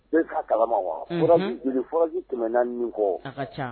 Bɛ ka kalama wa furasi tɛm naani min kɔ